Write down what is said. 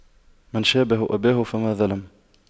من شابه أباه فما ظلم